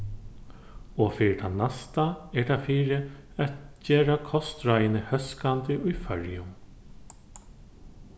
og fyri tað næsta er tað fyri at gera kostráðini hóskandi í føroyum